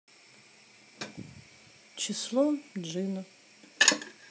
число джина